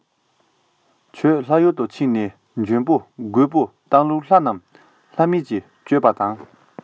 ཁྱོད ལྷ ཡུལ དུ ཕྱིན ནས འཇོན པོ རྒོས པོ བཏང ལུགས ལྷ རྣམས ལྷ མིན གྱིས བཅོམ པ དང